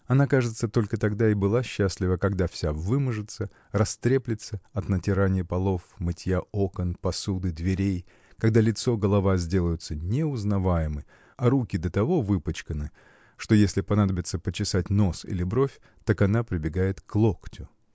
Она, кажется, только тогда и была счастлива, когда вся вымажется, растреплется от натиранья полов, мытья окон, посуды, дверей, когда лицо, голова сделаются неузнаваемы, а руки до того выпачканы, что если понадобится почесать нос или бровь, так она прибегает к локтю.